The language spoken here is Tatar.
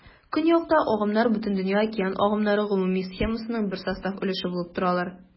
Көньякта агымнар Бөтендөнья океан агымнары гомуми схемасының бер состав өлеше булып торалар.